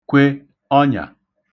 kwe ọnyà